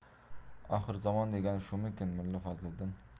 oxirzamon degani shumikin mulla fazliddin